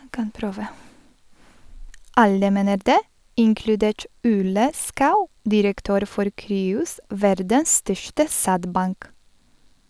"Alle mener det, inkludert Ole Schou, direktør for Cryos, verdens største sædbank".